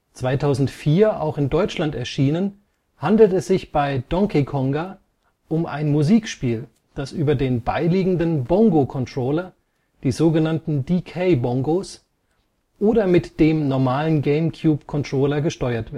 2004 auch in Deutschland erschienen, handelt es sich bei Donkey Konga um ein Musikspiel, das über den beiliegenden Bongo-Controller, die so genannten DK-Bongos, oder mit dem normalen GameCube-Controller gesteuert